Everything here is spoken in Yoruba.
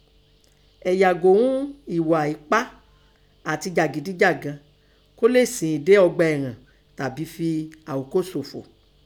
Ẹ̀ yàgò ún ẹ̀ghà ẹpá àtẹ jàgídíjàgan kọ lè sìn ín dé ọgbà ẹ̀họ̀n tàbí fi àókò sòfò.